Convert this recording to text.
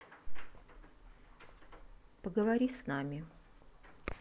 поговори с нами